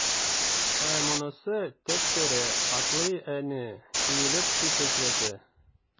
Ә монысы— теп-тере, атлый әнә, иелеп су чәчрәтә.